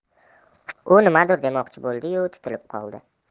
u nimadir demoqchi bo'ldi yu tutilib qoldi